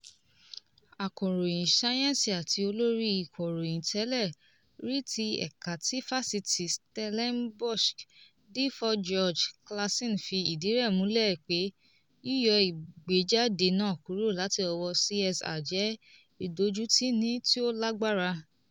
Akọ̀ròyìn sáyẹ́ǹsì àti olórí ìkọ̀ròyìn tẹ́lẹ̀ rí ti ẹ̀ka ti Fáṣítì Stellenbosch, D4 George Claasen fi ìdí rẹ̀ múlẹ̀ pé yíyọ ìgbéjáde náà kúrò láti ọwọ́ CSR jẹ́ "ìdójútini tí ó lágbára".